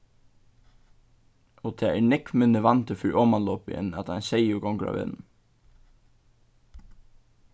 og tað er nógv minni vandi fyri omanlopi enn at ein seyður gongur á vegnum